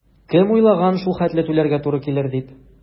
Кем уйлаган шул хәтле түләргә туры килер дип?